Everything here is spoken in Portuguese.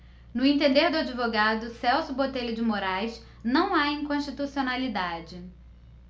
no entender do advogado celso botelho de moraes não há inconstitucionalidade